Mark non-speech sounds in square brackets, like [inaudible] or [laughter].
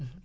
[hesitation] [hesitation]